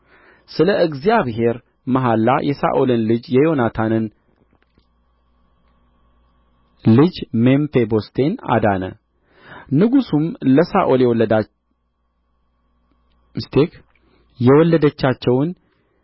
ስለ እግዚአብሔር መሐላ የሳኦልን ልጅ የዮናታንን ልጅ ሜምፊቦስቴን አዳነ ንጉሡም ለሳኦል የወለደቻቸውን